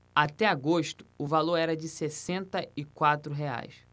até agosto o valor era de sessenta e quatro reais